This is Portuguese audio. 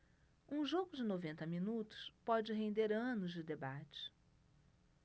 um jogo de noventa minutos pode render anos de debate